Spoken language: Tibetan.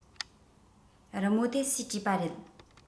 རི མོ དེ སུས བྲིས པ རེད